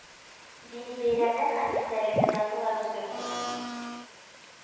Дини бәйрәмнәр һәм истәлекле даталар үзгәртү